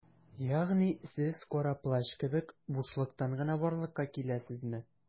Ягъни сез Кара Плащ кебек - бушлыктан гына барлыкка киләсезме?